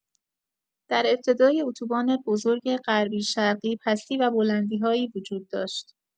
در ابتدای اتوبان بزرگ غربی-شرقی پستی و بلندی‌هایی وجود داشت.